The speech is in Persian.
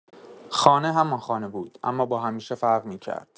خانه همان خانه بود، اما با همیشه فرق می‌کرد.